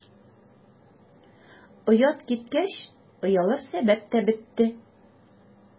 Оят киткәч, оялыр сәбәп тә бетте.